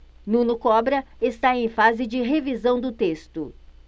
nuno cobra está em fase de revisão do texto